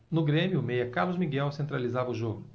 no grêmio o meia carlos miguel centralizava o jogo